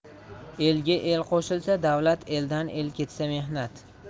elga el qo'shilsa davlat eldan el ketsa mehnat